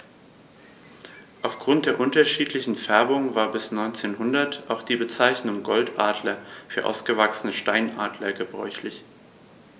Auf Grund der unterschiedlichen Färbung war bis ca. 1900 auch die Bezeichnung Goldadler für ausgewachsene Steinadler gebräuchlich.